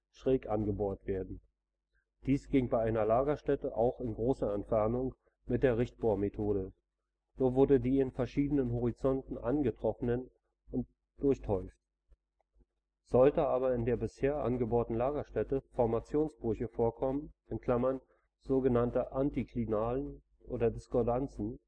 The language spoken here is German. schräg angebohrt werden. Dies ging bei einer Lagerstätte auch in großer Entfernung mit der Richtbohrmethode, nur wurde die in verschiedenen Horizonten angetroffen und durchteuft. Sollten aber in der bisher angebohrten Lagerstätte Formationsbrüche vorkommen (sog. Antiklinalen, Discordanzen